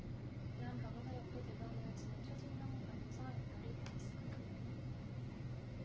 대한변호사협회 대변인을 지낸 최진녕 변호사 연결이 되어 있습니다